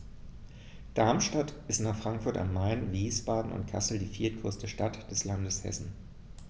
Darmstadt ist nach Frankfurt am Main, Wiesbaden und Kassel die viertgrößte Stadt des Landes Hessen